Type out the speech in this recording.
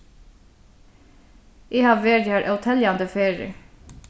eg havi verið har óteljandi ferðir